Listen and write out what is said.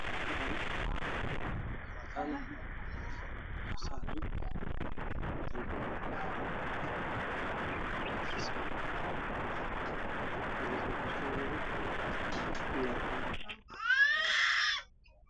Meeshaan waxaa ka muuqda karaan leeyahay siinayo meydkiisa caddeyd iyo cagaar waxaa laga dhigay lix iyo toban dollar qiimihiisa